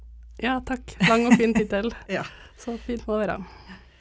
ja takk lang og fin tittel så fint må det være.